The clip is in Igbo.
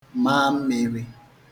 ma mmirī